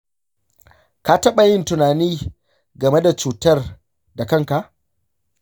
ka taɓa yin tunani game da cutar da kan ka?